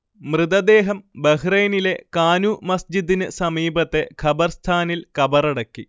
മൃതദേഹം ബഹ്റൈനിലെ കാനൂ മസ്ജിദിന് സമീപത്തെ ഖബർസ്ഥാനിൽ കബറടക്കി